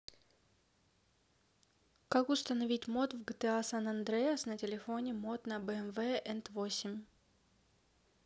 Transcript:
как установить мод в gta san andreas на телефоне мот на bmw and восемь